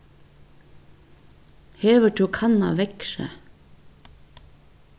hevur tú kannað veðrið